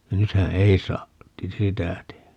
nythän ei saa sitä tehdä